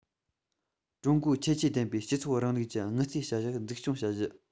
ཀྲུང གོའི ཁྱད ཆོས ལྡན པའི སྤྱི ཚོགས རིང ལུགས ཀྱི དངུལ རྩའི བྱ གཞག འཛུགས སྐྱོང བྱ རྒྱུ